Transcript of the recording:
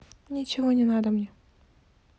ничего не надо мне